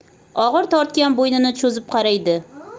og'ir tortgan bo'ynini cho'zib qaraydi